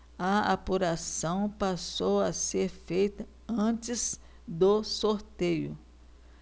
a apuração passou a ser feita antes do sorteio